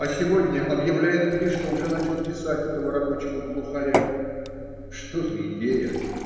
А сегодня объявляет мне, что уже начал писать этого рабочего-глухаря. Что за идея!